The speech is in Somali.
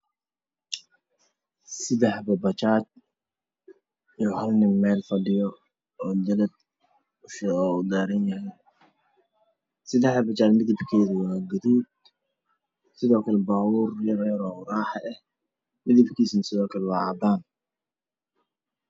Seddex xabo bajaaj iyo hal nin meel fadhiyo oo cajalad udaaran yahay. Bajaajyadu waa gaduud iyo gaariga raaxada ah oo cadaan ah.